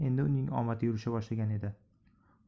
endi uning omadi yurisha boshlagan edi